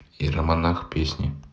иеромонах песни